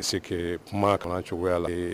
Parce que kuma ka na cogoya la ye, ee